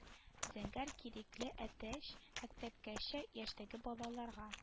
Зәңгәр кирикле әтәч мәктәпкәчә яшьтәге балаларга